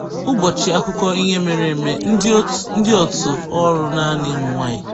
ỤBỌCHỊ AKỤKỌ IHE MERE EME - Ndị òtù ọrụ naanị ụmụnwaanyị.